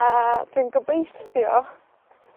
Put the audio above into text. A, dwi'n gobeithio,